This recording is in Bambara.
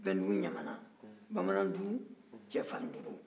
bɛndugu ɲamana bamanandugu cɛfarindugu